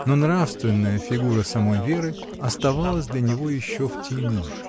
Но нравственная фигура самой Веры оставалась для него еще в тени.